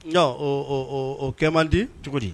N o kɛ man di cogo di